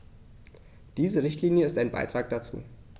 Diese Richtlinie ist ein Beitrag dazu.